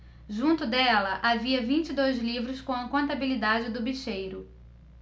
junto dela havia vinte e dois livros com a contabilidade do bicheiro